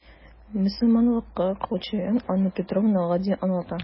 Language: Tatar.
Мөселманлыкка күчүен Анна Петрова гади аңлата.